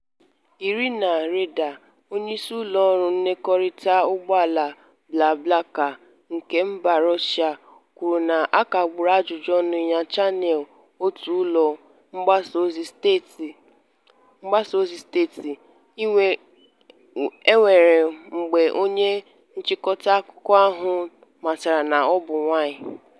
Irina Reyder, onyeisi ụlọọrụ nkekọrịta ụgbọala BlaBlaCar nke mba Russia, kwuru na a kagburu ajụjụọnụ ya na Channel One ụlọ mgbasaozi steeti nwere mgbe onye nchịkọta akụkọ ahụ matara na ọ bụ nwaanyị.